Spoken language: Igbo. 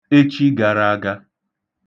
echi gārā āgā